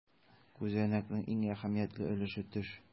Күзәнәкнең иң әһәмиятле өлеше - төш.